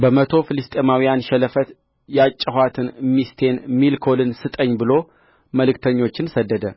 በመቶ ፍልስጥኤማውያን ሸለፈት ያጨኋትን ሚስቴን ሜልኮልን ስጠኝ ብሎ መልእክተኞችን ሰደደ